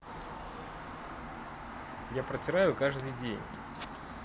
я протираю каждый день